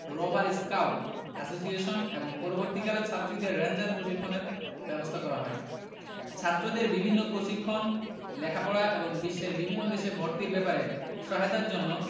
হয় rover scout association এবং পরবর্তীকালে ছাত্রীদের রেঞ্জার প্রশিক্ষণের ব্যবস্থা করা হয় ছাত্রদের বিভিন্ন প্রশিক্ষণ লেখাপড়া এবং বিশ্বের বিভিন্ন দেশে ভর্তির ব্যাপারে সহায়তার জন্য